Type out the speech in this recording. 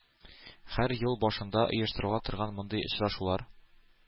Һәр ел башында оештырыла торган мондый очрашулар